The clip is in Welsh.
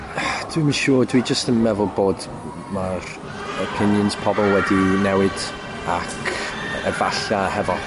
dwi'm yn siŵr dwi jyst yn meddwl bod ma'r opinions pobol wedi newid ac efalla hefo